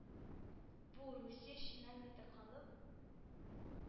Бу – Русия, чыннан да, таркалып,